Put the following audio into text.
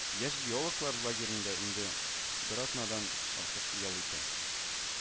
Яшь геологлар лагереньда инде бер атнадан артык ял итә